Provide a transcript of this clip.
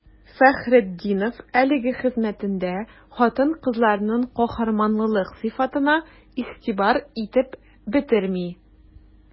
Фәхретдинов әлеге хезмәтендә хатын-кызларның каһарманлылык сыйфатына игътибар итеп бетерми.